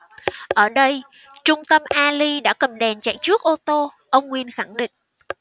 ở đây trung tâm ali đã cầm đèn chạy trước ô tô ông nguyên khẳng định